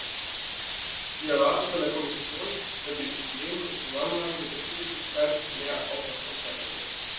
Wir erwarten von der Kommission, dass sie Problemen im Zusammenhang mit der Zusätzlichkeit mehr Aufmerksamkeit widmet.